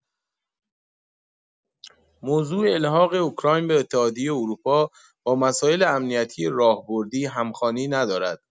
موضوع الحاق اوکراین به اتحادیه اروپا با مسائل امنیتی راهبردی همخوانی ندارد.